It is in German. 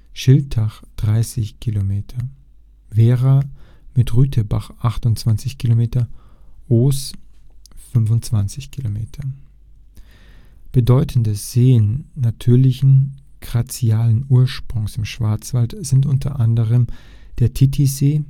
Schiltach (30 km) Wehra (mit Rüttebach 28 km) Oos (25 km) Bedeutende Seen natürlichen, glazialen Ursprungs im Schwarzwald sind unter anderem der Titisee